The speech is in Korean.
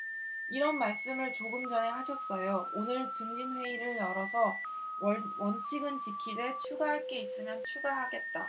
이런 말씀을 조금 전에 하셨어요 오늘 중진회의 열어서 원칙은 지키되 추가할 게 있으면 추가하겠다